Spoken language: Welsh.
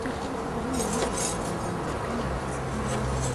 Dw' dwi meddwl bo' hynny'n wir hefyd yn y blynyddoedd cynnar achos cymerwch